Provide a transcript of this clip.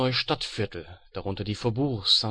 Stadtviertel (darunter die Faubourgs